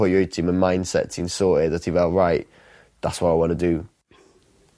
pwy wyt ti ma' mindset ti'n sorted a ti fel right that's what i wanna do.